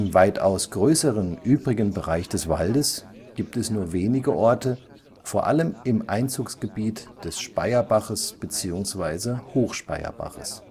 weitaus größeren übrigen Bereich des Waldes gibt es nur wenige Orte, vor allem im Einzugsgebiet des Speyerbaches/Hochspeyerbaches